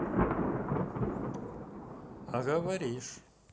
а говоришь